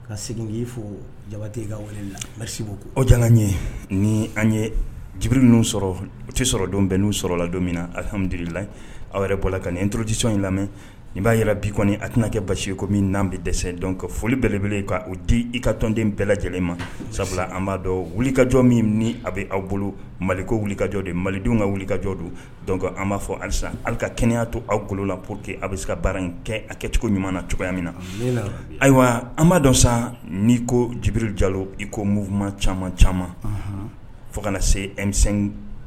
Ka segin fo jaba ye ni an ye jibiri sɔrɔ o tɛ sɔrɔ don bɛn' sɔrɔ la don min nahamilila asisɔn in lamɛn b'a jira bi kɔni a tɛna kɛ basi ye min n bɛ dɛsɛ foli bɛɛele k di i ka tɔnden bɛɛ lajɛlen ma sabula an b'a dɔn wulikajɔ min ni a bɛ aw bolo maliko wuli kajɔ de malidenw ka wulikajɔ don an b'a fɔ alisa ali ka kɛnɛya'a to aw kolon la po que a bɛ se ka baara in kɛ a kɛcogo ɲuman na cogoya min na ayiwa an b'a dɔn san n ko jibiri jalo iko muma caman caman fo kana na se ɛ mi